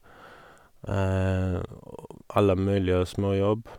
Og alle mulige småjobb.